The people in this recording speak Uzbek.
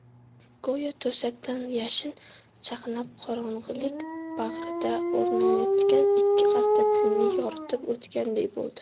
go'yo to'satdan yashin chaqnab qorong'ilik bag'rida o'rtanayotgan ikki xasta dilni yoritib o'tganday bo'ldi